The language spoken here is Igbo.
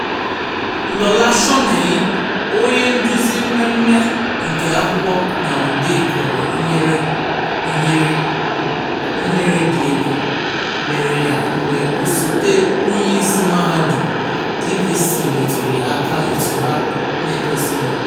Lola Shoneyin, onye nduzi mmemme nke akwụkwọ na odee, kọrọ "ihere dị egwu" mere ya mgbe Osote Onyeisi Mahadum (DVC) metụrụ ya aka etu na-ekwesighị: